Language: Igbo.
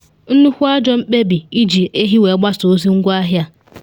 “Nnukwu ajọ mkpebi iji ehi wee gbasaa ozi ngwaahịa a.